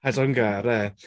I don't get it.